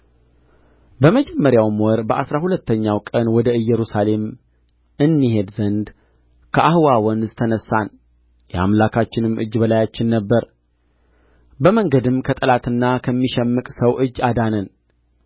በመጀመሪያውም ወር በአሥራ ሁለተኛው ቀን ወደ ኢየሩሳሌም እንሄድ ዘንድ ከአኅዋ ወንዝ ተነሣን የአምላካችንም እጅ በላያችን ነበረ በመንገድም ከጠላትና ከሚሸምቅ ሰው እጅ አዳነን